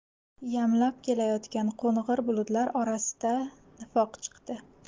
yamlab kelayotgan qo'ng'ir bulutlar orasida nifoq chiqdi